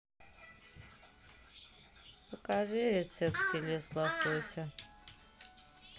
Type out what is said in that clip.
покажи рецепты с филе лосося